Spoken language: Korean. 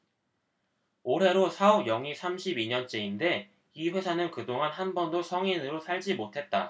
올해로 사업 영위 삼십 이 년째인데 이 회사는 그동안 한 번도 성인으로 살지 못했다